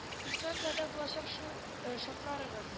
Ике атнадан булачак ул ышалтыратыгыз